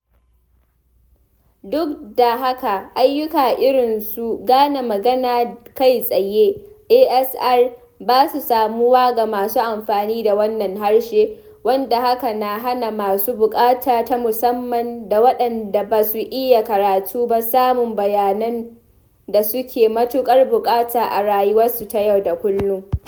Duk da haka, ayyuka irinsu gane magana kai tsaye (ASR) ba su samuwa ga masu amfani da wannan harshe, wanda hakan na hana masu buƙata ta musamman da waɗanda ba su iya karatu ba samun bayanan da suke matuƙar buƙata a rayuwarsu ta yau da kullum.